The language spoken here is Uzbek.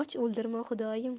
och o'ldirma xudoyim